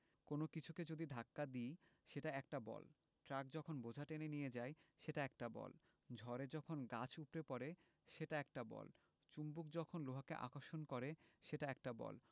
কোনো কিছুকে যদি ধাক্কা দিই সেটা একটা বল ট্রাক যখন বোঝা টেনে নিয়ে যায় সেটা একটা বল ঝড়ে যখন গাছ উপড়ে পড়ে সেটা একটা বল চুম্বক যখন লোহাকে আকর্ষণ করে সেটা একটা বল